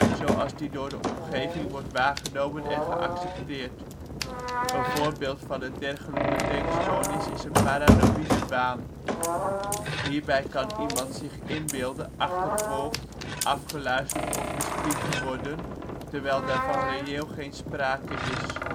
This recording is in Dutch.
zoals die door de omgeving wordt waargenomen en geaccepteerd. Een voorbeeld van een dergelijke denkstoornis is een paranoïde waan. Hierbij kan iemand zich inbeelden achtervolgd, afgeluisterd of bespied te worden, terwijl daarvan reëel geen sprake is